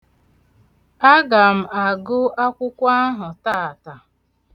A ga m agụ akwụkwọ ahụ taata.